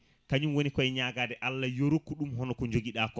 kañum woni koye ñagade Allah yo rokku ɗum hono ko joguiɗa ko